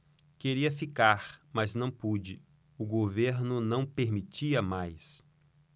queria ficar mas não pude o governo não permitia mais